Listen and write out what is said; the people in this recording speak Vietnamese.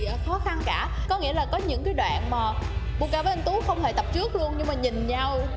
khó khăn cả có nghĩa là có những đoạn mờ bu ca với anh tú không hề tập trước luôn nhưng mà nhìn nhau